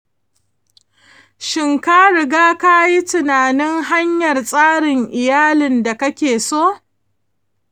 shin ka riga ka yi tunanin hanyar tsarin iyali da kake so?